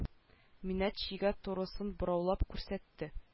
Минәт чигә турысын бораулап күрсәтте